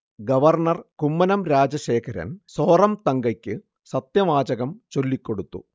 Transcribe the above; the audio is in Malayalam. ഗവർണർ കുമ്മനം രാജശേഖരൻ സോറംതങ്കയ്ക്ക് സത്യവാചകം ചൊല്ലിക്കൊടുത്തു